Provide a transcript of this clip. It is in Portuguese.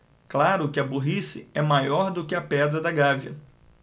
claro que a burrice é maior do que a pedra da gávea